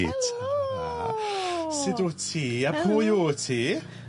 Helo! Sud wt ti a pwy wt ti?